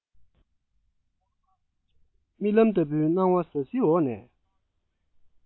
རྨི ལམ ལྟ བུའི སྣང བ ཟ ཟིའི འོག ནས